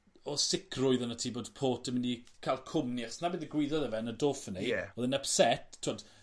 o sicrwydd ynot ti bod Port yn mynd i ca'l cwmni achos 'na be' digwyddodd i fe yn y Dauphiné. Ie. O'dd e'n ypset t'wod